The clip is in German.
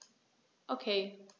Okay.